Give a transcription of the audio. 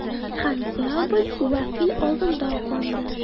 Хәмзә абый вәкил алдында акланды.